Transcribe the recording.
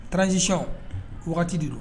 Transltion unhun, wagati de don.